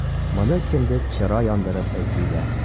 Моны көндез чыра яндырып эзлиләр.